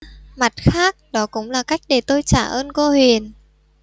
mặt khác đó cũng là cách để tôi trả ơn cô huyền